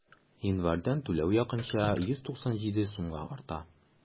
Январьдан түләү якынча 197 сумга арта.